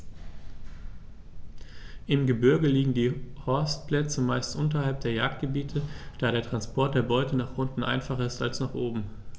Im Gebirge liegen die Horstplätze meist unterhalb der Jagdgebiete, da der Transport der Beute nach unten einfacher ist als nach oben.